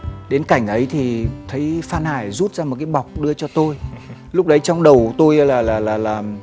đến cảnh ấy thì thấy phan hải rút ra một cái bọc đưa cho tôi lúc đấy trong đầu tôi là là là làm